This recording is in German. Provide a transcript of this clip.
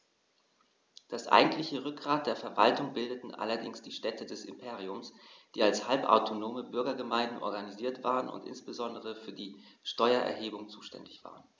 Das eigentliche Rückgrat der Verwaltung bildeten allerdings die Städte des Imperiums, die als halbautonome Bürgergemeinden organisiert waren und insbesondere für die Steuererhebung zuständig waren.